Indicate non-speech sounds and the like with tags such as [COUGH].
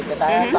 [HESITATION]